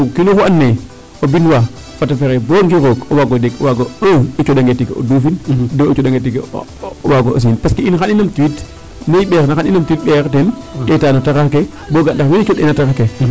O kiin o xu andoona ye o bindwa fat o fexey boo ngir roog o waag o jeg waag o bo o cooxange tig o duufin parce que in xan i numtuwiid bo i mbeerna xan i numtuwiid mbeer teen ɗeeta no taxar ke bo ga' bo ga' we i coox'eena.